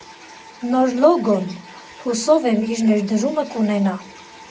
Նոր լոգոն, հուսով եմ, իր ներդրումը կունենա։